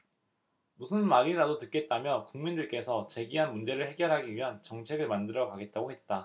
무슨 말이라도 듣겠다며 국민들께서 제기한 문제를 해결하기 위한 정책을 만들어 가겠다고 했다